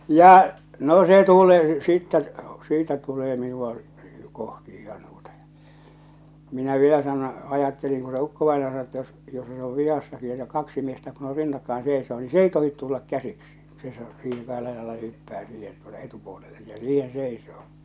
ja no se tulee sitten siitä tulee minua kohti ihan tuota ja minä vielä sanoin ajattelin kun se ukkovainaja sanoi että jos jos se on vihassakin että kaksi miestä kun on rinnakkain seisoo niin se ei tohdi tulla käsiksi se seisoo siihen kahdella jalalla se hyppää siihen tuota etupuolelle ja siihen seisoo